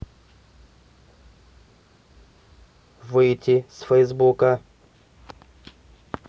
выйти с фейсбука